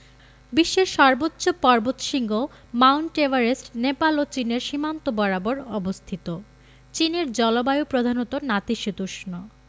বিশ্বের সর্বোচ্চ পর্বতশৃঙ্গ মাউন্ট এভারেস্ট নেপাল ও চীনের সীমান্ত বরাবর অবস্থিত চীনের জলবায়ু প্রধানত নাতিশীতোষ্ণ